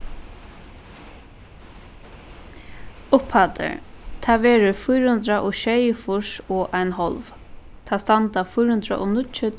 upphæddir tað verður fýra hundrað og sjeyogfýrs og ein hálv tað standa fýra hundrað og níggju